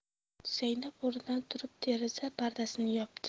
zaynab o'rnidan turib deraza pardasini yopdi